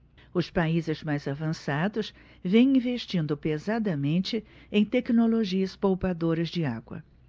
os países mais avançados vêm investindo pesadamente em tecnologias poupadoras de água